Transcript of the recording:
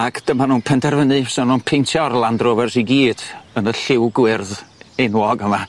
Ac dyma n'w'n penderfynu 'sa n'w'n peintio'r Land Rovers i gyd yn y lliw gwyrdd enwog yma.